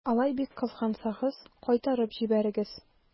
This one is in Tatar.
Алай бик кызгансагыз, кайтарып җибәрегез.